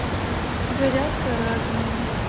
зарядка разные